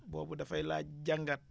boobu dafay laaj jàngat